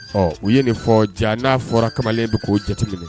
Ɔ u ye nin fɔ jaa n'a fɔra kamalenlen don k'o jatigi jate